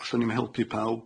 Allwn ni'm helpu pawb.